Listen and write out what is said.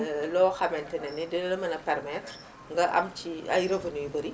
loo xamante ne dinala mën a permettre nga am ci ay revenu yu bari